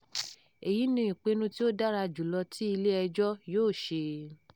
"Èyí ni ìpinnu tí ó dára jù lọ tí ilé-ẹjọ́ yóò ṣe"